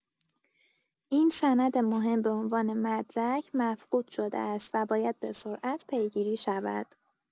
این سند مهم به عنوان مدرک مفقود شده است و باید به‌سرعت پیگیری شود.